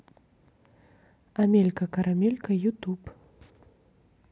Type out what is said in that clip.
амелька карамелька ютуб